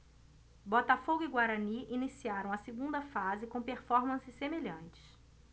botafogo e guarani iniciaram a segunda fase com performances semelhantes